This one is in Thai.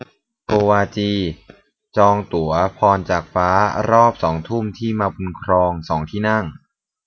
โกวาจีจองตั๋วพรจากฟ้ารอบสองทุ่มที่มาบุญครองสองที่นั่ง